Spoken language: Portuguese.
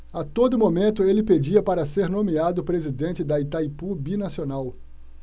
a todo momento ele pedia para ser nomeado presidente de itaipu binacional